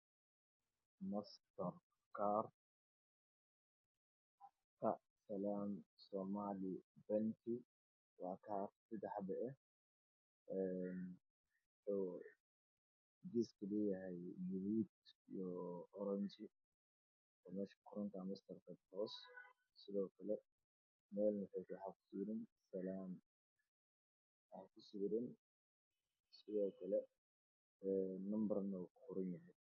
Waxaa ii muuqda master card ay leedahay salaam bangi